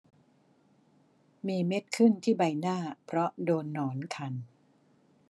มีเม็ดขึ้นที่ใบหน้าเพราะโดนหนอนคัน